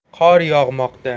qor yog'moqda